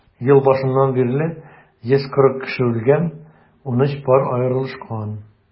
Ел башыннан бирле 140 кеше үлгән, 13 пар аерылышкан.